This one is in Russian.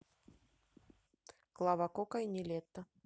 клава кока и нелетто